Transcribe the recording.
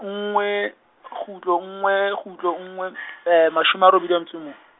nngwe, kgutlo nngwe, kgutlo nngwe , mashome a robedi a metso o mong.